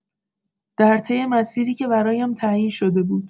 در طی مسیری که برایم تعیین شده بود